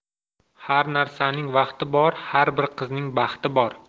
har narsaning vaqti bor har bir qizning baxti bor